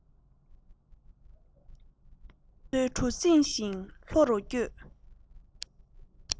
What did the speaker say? རྒྱ མཚོའི གྲུ གཟིངས བཞིན ལྷོ རུ བསྐྱོད